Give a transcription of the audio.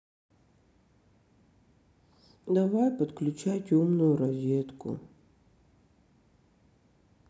давай подключать умную розетку